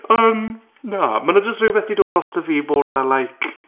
Yym na, ma' 'na jyst rhywbeth 'di dod drosto fi i bod fel like...